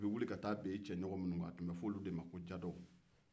ubɛ wuli ka taa bin cɛɲɔgɔn minnu kan a tun bɛ fɔ olu de ma ko jadɔw